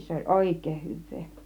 se oli oikein hyvää